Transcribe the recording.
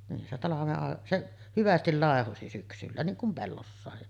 niin se talven - se hyvästi laihosi syksyllä niin kuin pellossa